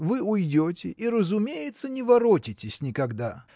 вы уйдете и, разумеется, не воротитесь никогда